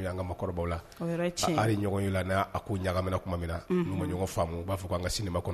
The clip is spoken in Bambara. N y'o y'an ka maakɔrɔbaw la, o yɔrɔ ye tiɲɛ ye, hali ɲɔgɔnyew la n'a ko ɲagamin na tuma min na, Unhun, n'o ɲɔgɔn faamu, u b'a fɔ an ka sini ma kɔnɔ.